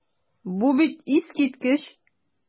Бу бит искиткеч!